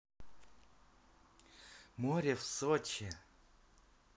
море в сочи